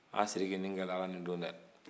a sidiki nin gɛlɛyara nin don dɛ